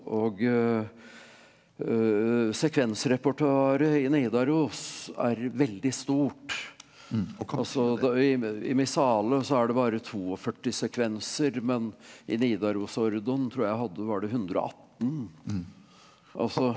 og sekvensrepertoaret i Nidaros er veldig stort altså det i i Missale så er det bare 42 sekvenser men i Nidaros-ordoen tror jeg hadde var det 118 altså.